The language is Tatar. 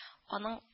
Аның